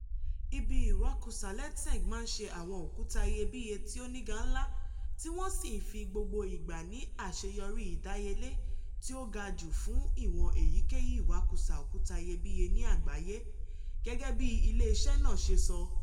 Ibi ìwakùsà Letseng máa ń ṣe àwọn òkúta iyebíye tí ó oníga ńlá, tí wọ́n sì ń fi gbogbo ìgbà ní àṣeyọrí ìdáyelé tí ó ga jù fún ìwọ̀n èyíkéyìí ìwakùsà òkúta iyebíye ní àgbáyé, gẹ́gẹ́ bí ilé iṣẹ́ náà ṣe sọ.